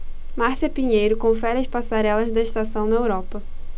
márcia pinheiro confere as passarelas da estação na europa